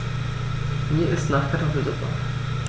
Mir ist nach Kartoffelsuppe.